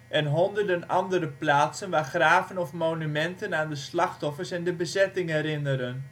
en honderden andere plaatsen waar graven of monumenten aan de slachtoffers en de bezetting herinneren